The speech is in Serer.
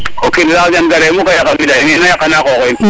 o kin saax leŋgare mukk a yaqa nida in ina yaqana qoox in